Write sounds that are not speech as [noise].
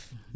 [hesitation] [hesitation]